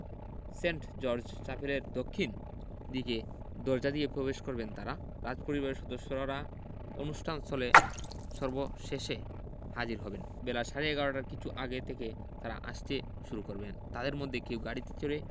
Saint George চ্যাপেলের দক্ষিণ দিকের দরজা দিয়ে প্রবেশ করবেন তাঁরা রাজপরিবারের সদস্যরা অনুষ্ঠান স্থলে সবশেষে হাজির হবেন বেলা সাড়ে ১১টার কিছু আগে থেকে তাঁরা আসতে শুরু করবেন তাঁদের মধ্যে কেউ গাড়িতে চড়ে